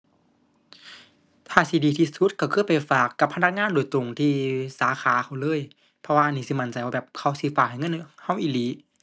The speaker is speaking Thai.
ถ้าที่ดีที่สุดก็คือไปฝากกับพนักงานโดยตรงที่สาขาเขาเลย เพราะว่านี่สิมั่นใจว่าแบบเขาสิฝากให้เงิน ก็อีหลี